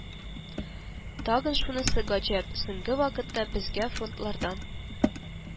Тагын шунысы гаҗәп: соңгы вакытта безгә фронтлардан